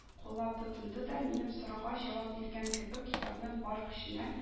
Куллап тотынды да, минем сорауга җавап биргән кебек, китапны бар көченә